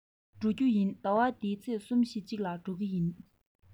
ད དུང སོང མེད ཟླ བ འདིའི ཚེས གསུམ བཞིའི གཅིག ལ འགྲོ གི ཡིན